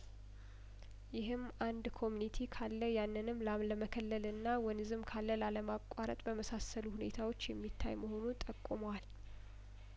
ይህም አንድ ኮሚኒቲ ካለያንንም ላለመከለልና ወንዝም ካለላለማቋረጥ በመሳሰሉ ሁኔታዎች የሚታይመሆኑን ጠቁመዋል